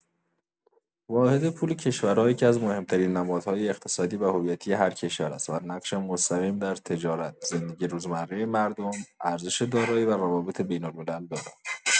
واحد پول کشورها یکی‌از مهم‌ترین نمادهای اقتصادی و هویتی هر کشور است و نقش مستقیم در تجارت، زندگی روزمره مردم، ارزش دارایی و روابط بین‌الملل دارد.